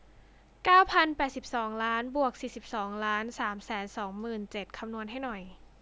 เก้าพันแปดสิบสองล้านบวกสี่สิบสองล้านสามแสนสองหมื่นเจ็ดคำนวณให้หน่อย